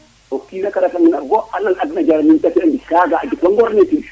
o kina gara gar adna jaranin te fi sa ga